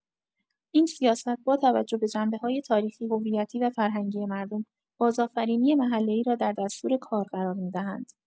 این سیاست، با توجه به جنبه‌های تاریخی، هویتی و فرهنگی مردم، بازآفرینی محله‌ای را در دستورکار قرار می‌دهند.